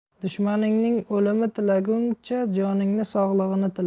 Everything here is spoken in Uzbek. dushmaningning o'limini tilaguncha joningning sog'ligini tila